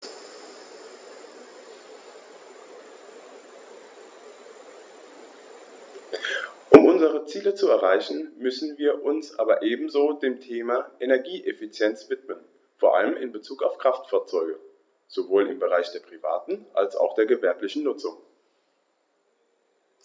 Um unsere Ziele zu erreichen, müssen wir uns aber ebenso dem Thema Energieeffizienz widmen, vor allem in Bezug auf Kraftfahrzeuge - sowohl im Bereich der privaten als auch der gewerblichen Nutzung.